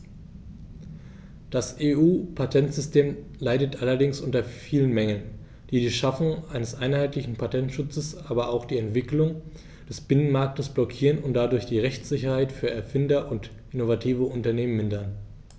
Das EU-Patentsystem leidet allerdings unter vielen Mängeln, die die Schaffung eines einheitlichen Patentschutzes, aber auch die Entwicklung des Binnenmarktes blockieren und dadurch die Rechtssicherheit für Erfinder und innovative Unternehmen mindern.